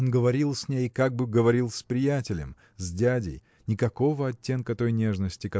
Он говорит с ней, как бы говорил с приятелем, с дядей никакого оттенка той нежности